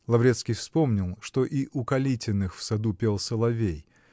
Лаврецкий вспомнил, что и у Калитиных в саду пел соловей